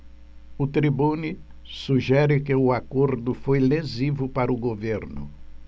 o tribune sugere que o acordo foi lesivo para o governo